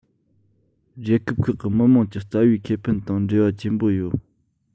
རྒྱལ ཁབ ཁག གི མི དམངས ཀྱི རྩ བའི ཁེ ཕན དང འབྲེལ བ ཆེན པོ ཡོད